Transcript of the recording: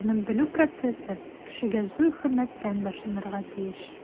Танып-белү процессы кешегә зур хөрмәттән башланырга тиеш.